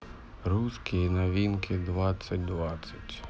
русские новинки двадцать двадцать